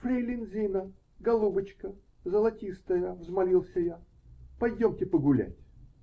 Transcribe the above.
-- Фрейлин Зина, голубочка, золотистая, -- взмолился я, -- пойдемте погулять.